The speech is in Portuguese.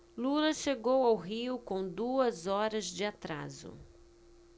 lula chegou ao rio com duas horas de atraso